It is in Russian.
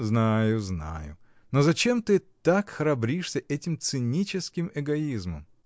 — Знаю, знаю; но зачем ты так храбришься этим циническим эгоизмом?